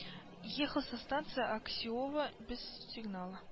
Ехал со станции аксеово без сигнала